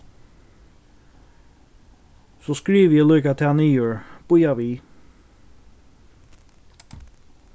so skrivi eg líka tað niður bíða við